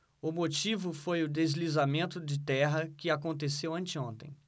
o motivo foi o deslizamento de terra que aconteceu anteontem